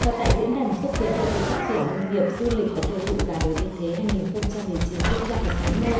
và tại diễn đàn xúc tiến đầu tư phát triển nông nghiệp du lịch và tiêu thụ gà đồi yên thế hai nghìn không trăm mười chín diễn ra vào sáng nay